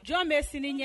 Jɔn bɛ sini ɲɛ